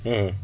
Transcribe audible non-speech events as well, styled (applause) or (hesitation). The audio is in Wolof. (hesitation) (hesitation)